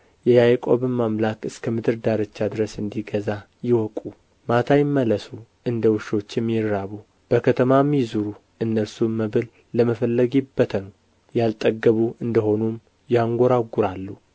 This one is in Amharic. የያዕቆብም አምላክ እስከ ምድር ዳርቻ ድረስ እንዲገዛ ይወቁ ማታ ይመለሱ እንደ ውሾችም ይራቡ በከተማም ይዙሩ እነርሱም መብል ለመፈለግ ይበተኑ ያልጠገቡ እንደ ሆነም ያንጐረጕራሉ